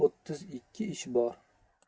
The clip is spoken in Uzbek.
o'ttiz ikki ish bor